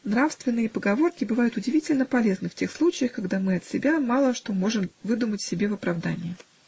Нравственные поговорки бывают удивительно полезны в тех случаях, когда мы от себя мало что можем выдумать себе в оправдание.